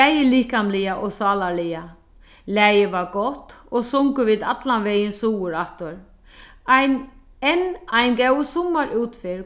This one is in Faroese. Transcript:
bæði likamliga og sálarliga lagið var gott og sungu vit allan vegin suður aftur ein enn ein góð summarútferð